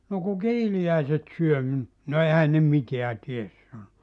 no kun kiiliäiset syö minut no eihän ne mitään tee sanoi